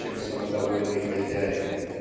чем самодовольный хозяин.